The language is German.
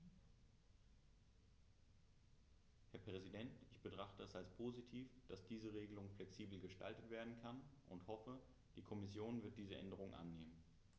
Herr Präsident, ich betrachte es als positiv, dass diese Regelung flexibel gestaltet werden kann und hoffe, die Kommission wird diese Änderung annehmen.